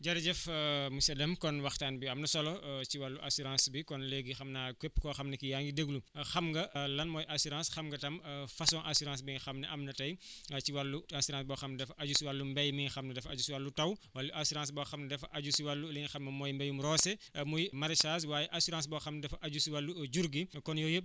jërëjëf monsieur Deme kon waxtaan bi am na solo ci wàllu assurance bi kon léegi xam naa képp koo xam ne ki yaa ngi déglu xam nga lan mooy assurance xam nga tam façon assurance bi nga xam ne am na tey ci wàllu assurance boo xam dafa aju si wàllu mbéy mi nga xam ne dafa aju si wàllu taw wala assurance boo xam dafa aju si wàllu li nga xam moom mooy mbéyum roose muy maraîchage waaye assurance boo xam dafa aju si wàllu jur gi kon yooyu yëpp